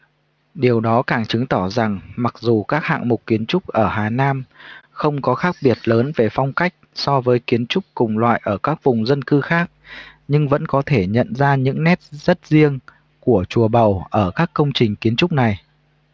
điều đó càng chứng tỏ rằng mặc dù các hạng mục kiến trúc ở hà nam không có khác biệt lớn về phong cách so với kiến trúc cùng loại ở các vùng dân cư khác nhưng vẫn có thể nhận ra những nét rất riêng của chùa bầu ở các công trình kiến trúc này